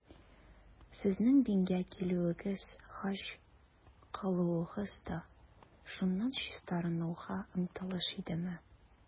Сезнең дингә килүегез, хаҗ кылуыгыз да шуннан чистарынуга омтылыш идеме?